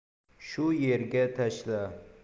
shu yerga tashla